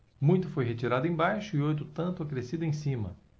muito foi retirado embaixo e outro tanto acrescido em cima